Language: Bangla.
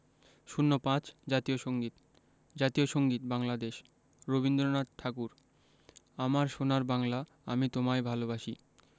০৫ জাতীয় সংগীত জাতীয় সংগীত বাংলাদেশ রবীন্দ্রনাথ ঠাকুর আমার সোনার বাংলা আমি তোমায় ভালোবাসি